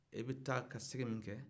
i be taa ka segin min kɛ